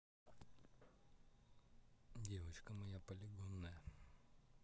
девочка моя полигонная